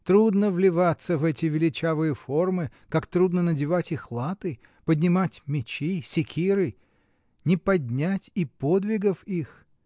Трудно вливаться в эти величавые формы, как трудно надевать их латы, поднимать мечи, секиры! Не поднять и подвигов их!